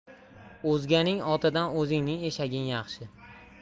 o'zganing otidan o'zingning eshaging yaxshi